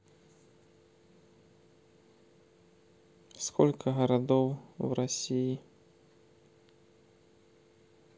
сколько городов в россии